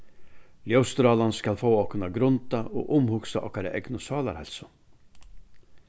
ljósstrálan skal fáa okkum at grunda og umhugsa okkara egnu sálarheilsu